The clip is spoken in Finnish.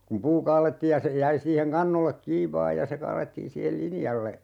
kun puu kaadettiin ja se jäi siihen kannolle kiinni vain ja se kaadettiin siihen linjalle